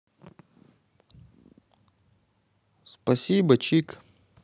спасибо чик